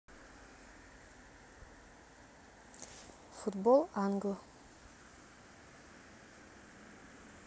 футбол англ